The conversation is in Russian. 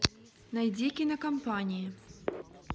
найди кинокомпании